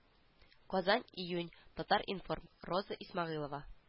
Казан июнь татар-информ роза исмәгыйлова